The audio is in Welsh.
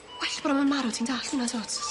Well bod o'm yn marw ti'n dallt hwnna dw't?